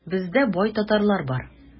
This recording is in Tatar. Бездә бай татарлар бар.